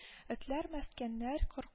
Этләр, мәскәннәр, кор